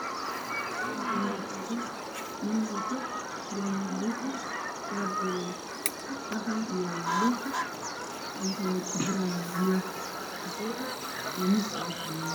Halkaan waxaa joogo wiil wato surwaal buluug ah iyo shaar qaxwi iyo buluug ah, waxuu cabirahayaa alwaax kafay ah iyo miis u saaran yahay.